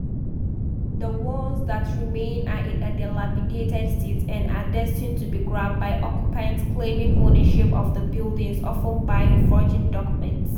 The ones that remain are in a dilapidated state and are destined to be grabbed by occupants claiming ownership of the buildings (often by forging documents).